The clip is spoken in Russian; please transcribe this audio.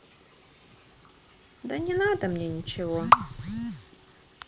да не надо мне ничего